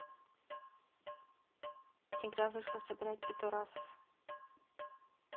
игра вышла собирать питорасов